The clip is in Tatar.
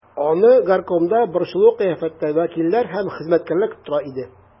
Аны горкомда борчулы кыяфәттә вәкилләр һәм хезмәткәрләр көтеп тора иде.